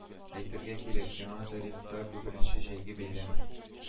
Әйтергә кирәк, яңа тарихта бу беренче җәйге бәйрәм